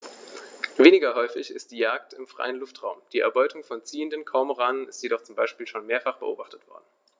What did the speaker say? Weniger häufig ist die Jagd im freien Luftraum; die Erbeutung von ziehenden Kormoranen ist jedoch zum Beispiel schon mehrfach beobachtet worden.